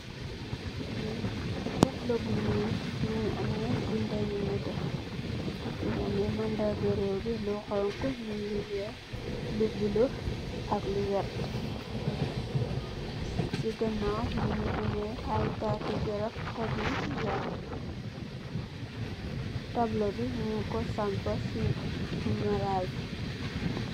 Lii tableau bu njull mungy ameh binda yu nehteh, mungy ameh mandarr gah rewmi lu honhu, lu wekh, lu bleu ak lu vert, cii ganaw mungy ameh aiiy tarti garab hohb yu vert, tableau bi njung kor sampah cii marajj bii.